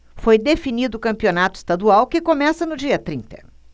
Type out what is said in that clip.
foi definido o campeonato estadual que começa no dia trinta